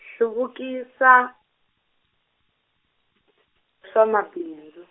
hluvukisa, swa mabindzu.